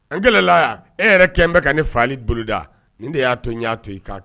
An kɛlenla e yɛrɛ kɛ bɛ ka ne faali boloda nin de y'a to y'a to i kan